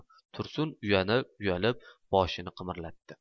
tursun uyalib boshini qimirlatdi